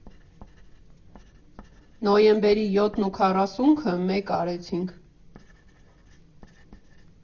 Նոյեմբերի յոթն ու քառսունքը մեկ արեցինք։